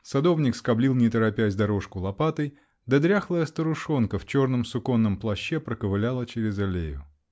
Садовник скоблил, не торопясь, дорожку лопатой, да дряхлая старушонка в черном суконном плаще проковыляла через аллею.